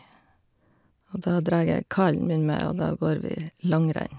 Og da dræg jeg kallen min med, og da går vi langrenn.